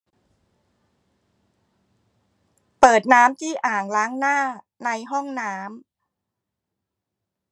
เปิดน้ำที่อ่างล้างหน้าในห้องน้ำ